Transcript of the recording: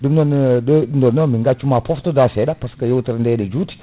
ɗum non ɗo nden noon min gaccuma pottoɗa seeɗa par ce que yewtere nde ne juuti